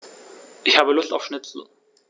Ich habe Lust auf Schnitzel.